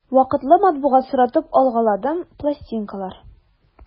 Вакытлы матбугат соратып алгаладым, пластинкалар...